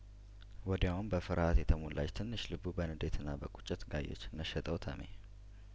ወዲያውም በፍርሀት የተሞላች ትንሽ ልቡ በንዴትና በቁጭት ጋየች ነሸጠው ተሜ